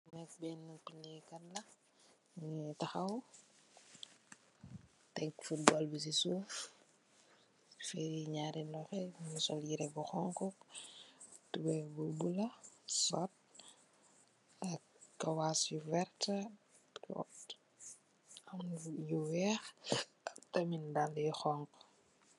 Kee nak bena pkaykate la muge tahaw tek foodball be se suuf fere nyari lohou ye sol yere bu xonxo tubaye bu bula sot ak kawass yu werta am yu weex ak tamin dalle yu xonxo.